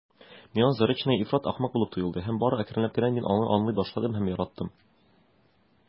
Миңа Заречная ифрат ахмак булып тоелды һәм бары әкренләп кенә мин аны аңлый башладым һәм яраттым.